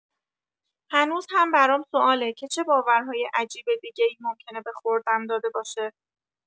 هنوز هم برام سواله که چه باورهای عجیب دیگه‌ای ممکنه به خوردم داده باشه.